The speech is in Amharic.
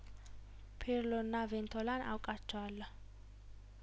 ፒርሎ እና ቬንቶላን አውቃቸዋለሁ